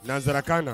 Sarakan na